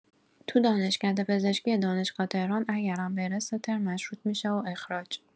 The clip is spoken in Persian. تو دانشکده پزشکی دانشگاه تهران اگرم بره سه ترم مشروط می‌شه و اخراج